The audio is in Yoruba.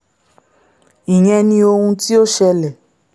Ìyẹn ni ohun tí ó ṣẹlẹ̵̀.